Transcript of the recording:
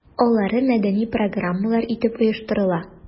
Алары мәдәни программалар итеп оештырыла.